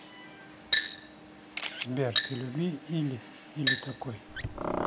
сбер ты люби или или такой